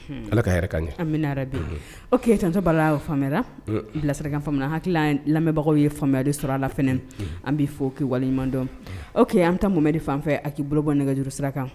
Ala ka yɛrɛ ka ɲɛ anmina bi keyitatɔ balala y'o faamuya la faamuya hakili lamɛnbagaw ye faamuyaya de sɔrɔ a la f an b' fɔ k' waleɲuman dɔn o ke an ta mo de fan fɛ a'i bolo bɔ ne nɛgɛj juruuru sira kan